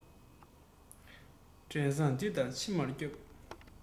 བྲན བཟང འདི དང ཕྱི མར བསྐྱབས